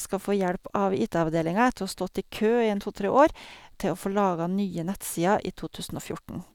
skal få hjelp av IT-avdelinga etter å ha stått i kø i en to tre år, til å få laga nye nettsider i to tusen og fjorten.